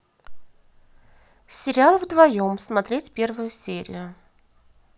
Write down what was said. сериал вдвоем смотреть первую серию